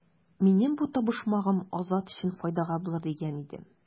Минем бу табышмагым Азат өчен файдага булыр дигән идем.